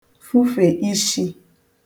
fufè ishī